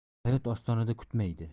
hayot ostonada kutmaydi